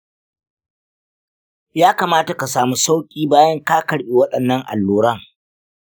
ya kamata ka samu sauƙi bayan ka karɓi waɗannan alluran.